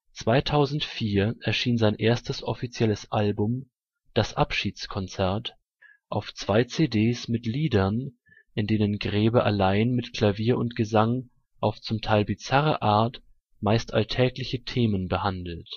2004 erschien sein erstes offizielles Album „ Das Abschiedskonzert “auf zwei CDs mit Liedern, in denen Grebe allein mit Klavier und Gesang auf zum Teil bizarre Art meist alltägliche Themen behandelt